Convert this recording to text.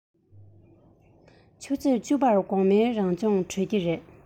ཆུ ཚོད བཅུ པར དགོང མོའི རང སྦྱོང གྲོལ གྱི རེད